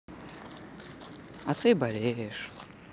а ты болеешь